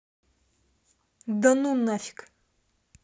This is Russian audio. да ну нафиг